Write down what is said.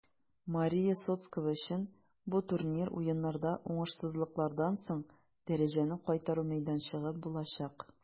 Мария Сотскова өчен бу турнир Уеннарда уңышсызлыклардан соң дәрәҗәне кайтару мәйданчыгы булачак.